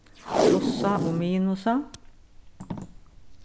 plussa og minusa